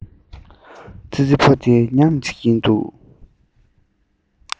ཙི ཙི ཕོ དེ ཟ སྙམ བྱེད ཀྱིན འདུག